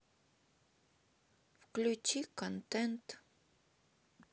включи контент